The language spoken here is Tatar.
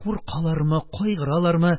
Куркалармы, кайгыралармы,